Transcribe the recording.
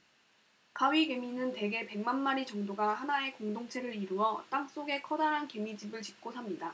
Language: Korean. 가위개미는 대개 백만 마리 정도가 하나의 공동체를 이루어 땅 속에 커다란 개미집을 짓고 삽니다